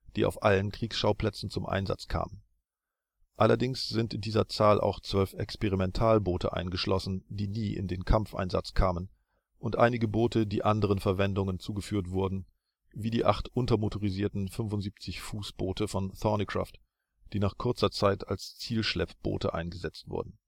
die auf allen Kriegsschauplätzen zum Einsatz kamen. Allerdings sind in dieser Zahl auch 12 Experimentalboote eingeschlossen, die nie in den Kampfeinsatz kamen und einige Boote die anderen Verwendungen zugeführt wurden, wie die acht untermotorisierten 75 ft (≈22,86 m) Boote von Thornycroft, die nach kurzer Zeit als Zielschleppboote eingesetzt wurden